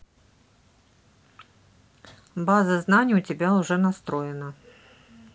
база знаний у тебя уже настроена